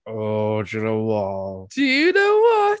Oh, do you know what?... Do you know what?